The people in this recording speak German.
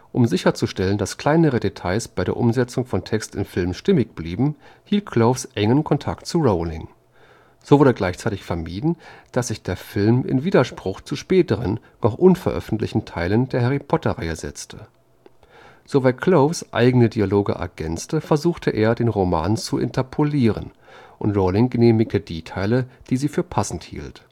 Um sicherzustellen, dass kleinere Details bei der Umsetzung von Text in Film stimmig blieben, hielt Kloves engen Kontakt mit Rowling. So wurde gleichzeitig vermieden, dass sich der Film in Widerspruch zu späteren, noch unveröffentlichten Teilen der Harry-Potter-Reihe setzte. Soweit Kloves eigene Dialoge ergänzte, versuchte er, den Roman zu interpolieren, und Rowling genehmigte die Teile, die sie für passend hielt